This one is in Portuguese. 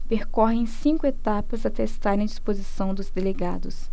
percorrem cinco etapas até estarem à disposição dos delegados